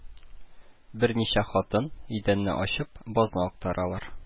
Берничә хатын, идәнне ачып, базны актаралар